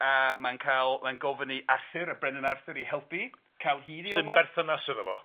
a mae'n ca'l mae'n gofyn i Arthur, y brenin Arthur, i helpu ca'l hyd i Olwen. Sy'n berthynas iddo fo?